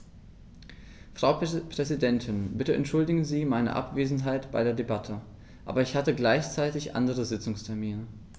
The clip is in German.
Frau Präsidentin, bitte entschuldigen Sie meine Abwesenheit bei der Debatte, aber ich hatte gleichzeitig andere Sitzungstermine.